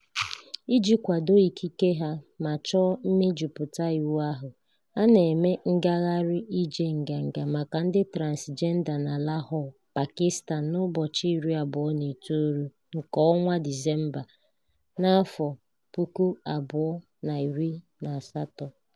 Iji kwado ikike ha ma chọọ mmejupụta iwu ahụ, a na-eme Ngagharị Ije Nganga Maka Ndị Transịjenda na Lahore, Pakistan n'ụbọchị 29 nke Dịsemba 2018.